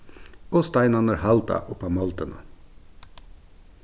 og steinarnir halda upp á moldina